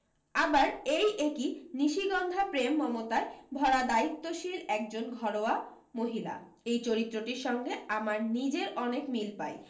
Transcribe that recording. আবার এই একি নিশিগন্ধা প্রেম মমতায় ভরা দায়িত্বশীল এক জন ঘরোয়া মহিলা এই চরিত্রটির সঙ্গে আমার নিজের অনেক মিল পাই